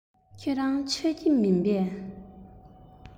ཁྱོད རང མཆོད ཀྱི མིན པས